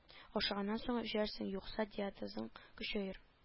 Ашаганнан соң эчәрсең юкса диатезың көчәер